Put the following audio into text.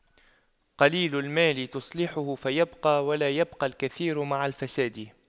قليل المال تصلحه فيبقى ولا يبقى الكثير مع الفساد